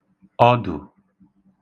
ọdụ̀